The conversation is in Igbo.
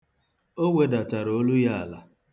O wedatara olu ya ala.